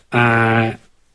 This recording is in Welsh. A,